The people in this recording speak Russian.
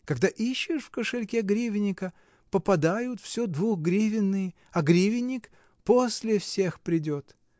— Когда ищешь в кошельке гривенника, попадают всё двугривенные, а гривенник после всех придет